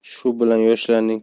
shu bilan yoshlarning